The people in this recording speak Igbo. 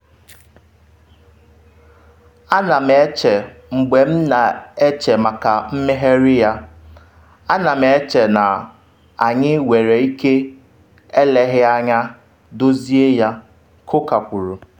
“A na m eche mgbe m na-eche maka mmegharị ya, A na m eche na anyị nwere ike eleghị anya dozie ya,” Coker kwuru.